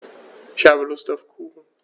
Ich habe Lust auf Kuchen.